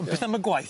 On' beth am y gwaith?